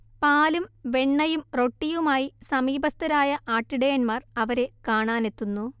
പാലും വെണ്ണയും റൊട്ടിയുമായി സമീപസ്തരായ ആട്ടിടയന്മാർ അവരെ കാണാനെത്തുന്നു